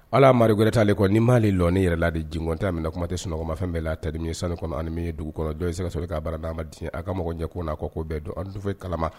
Ala amaduri wɛrɛlɛta ale kɔnɔ ni m maale lɔni yɛrɛ la deckɔntan min kuma tɛ sunɔgɔmafɛn bɛɛ la terid ye sanu kɔnɔ animi ye dugu kɔnɔ dɔw se ka sababu k ka baara n' ma di a ka mɔgɔ cɛ ko n naa kɔ ko don antufe kalama